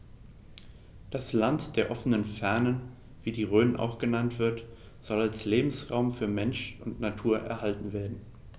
Das „Land der offenen Fernen“, wie die Rhön auch genannt wird, soll als Lebensraum für Mensch und Natur erhalten werden.